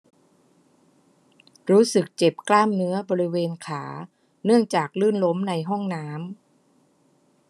รู้สึกเจ็บกล้ามเนื้อบริเวณขาเนื่องจากลื่นล้มในห้องน้ำ